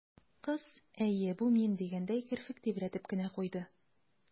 Кыз, «әйе, бу мин» дигәндәй, керфек тибрәтеп кенә куйды.